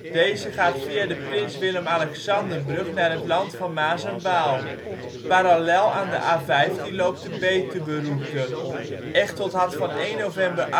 Deze gaat via de Prins Willem-Alexanderbrug naar het Land van Maas en Waal. Parallel aan de A15 loopt de Betuweroute. Echteld had van 1 november